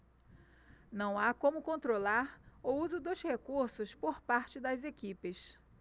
não há como controlar o uso dos recursos por parte das equipes